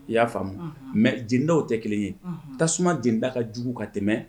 I y'a faamumu mɛ jda tɛ kelen ye tasuma jda ka jugu ka tɛmɛ